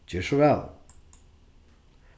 ger so væl